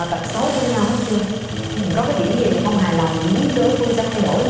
tật xấu của nhau hết chưa mình có cái điểm gì mình không hài lòng muốn đối phương sẽ thay đổi không